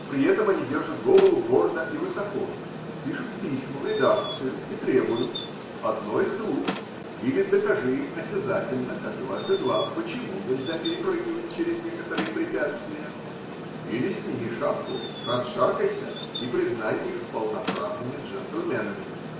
При этом они держат голову гордо и высоко, пишут письма в редакцию и требуют: одно из двух – или докажи им осязательно, как дважды два, почему нельзя перепрыгивать через некоторые препятствия, или сними шапку, расшаркайся и признай их полноправными джентльменами.